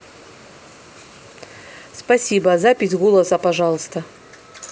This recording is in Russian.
спасибо запись голоса пожалуйста